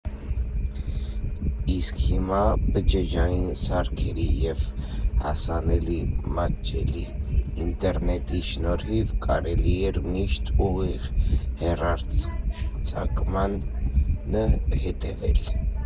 Իսկ հիմա բջջային սարքերի և հասանելի, մատչելի ինտերնետի շնորհիվ կարելի էր միշտ ուղիղ հեռարձակմանը հետևել։